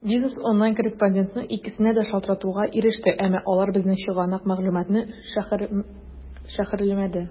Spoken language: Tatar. "бизнес online" корреспонденты икесенә дә шалтыратуга иреште, әмма алар безнең чыганак мәгълүматын шәрехләмәде.